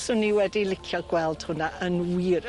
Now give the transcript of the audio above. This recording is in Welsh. Swn i wedi licio gweld hwnna yn wir.